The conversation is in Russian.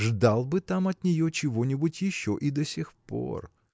ждал бы там от нее чего-нибудь еще и до сих пор.